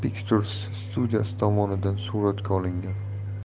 pictures studiyasi tomonidan suratga olinmoqda